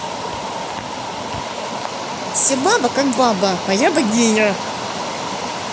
все баба как баба моя богиня